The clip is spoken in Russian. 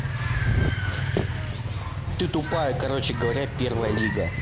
ты тупая короче говоря первая лига